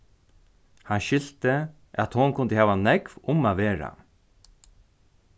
hann skilti at hon kundi hava nógv um at vera